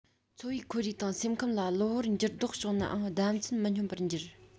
འཚོ བའི ཁོར ཡུག དང སེམས ཁམས ལ གློ བུར འགྱུར ལྡོག བྱུང ནའང ཟླ མཚན མི སྙོམ པར འགྱུར